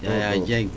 Yaya Dieng